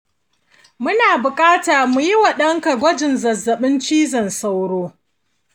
muna buƙatar mu yi wa ɗanka gwajin zazzabin cizon sauro.